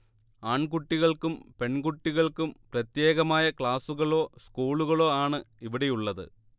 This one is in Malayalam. ആൺകുട്ടികൾക്കും പെൺകുട്ടികൾക്കും പ്രത്യേകമായ ക്ലാസുകളോ സ്കൂളുകളോ ആണ് ഇവിടെയുള്ളത്